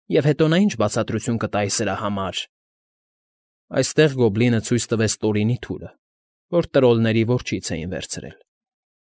Եվ հետո նա ի՞նչ բացատրույթուն կտա այ սրա համար։֊ Այստեղ գոբլինը ցույց տվեց Տորինի թուրը, որ տրոլների որջից էին վերցրել։